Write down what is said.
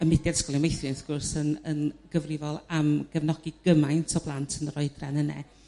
Y mudiad 'sgolion meithrin wrth gwrs yn yn gyfrifol am gefnogi gymaint o blant yn yn yr oedran yne.